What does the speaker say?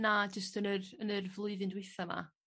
na jyst yn yr yn yr flwyddyn dwitha 'ma